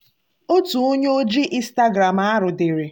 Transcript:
Otu onye oji Instagram arụ dere: